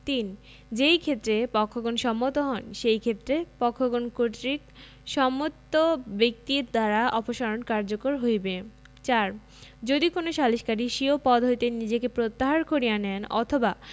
৩ যেই ক্ষেত্রে পক্ষগণ সম্মত হন সেই ক্ষেত্রে পক্ষগণ কর্তৃক সম্মত ব্যক্তির দ্বারা অপসারণ কার্যকর হইবে ৪ যদি কোন সালিসকারী স্বীয় পদ হইতে নিজেকে প্রত্যাহার করিয়া নেন অথবা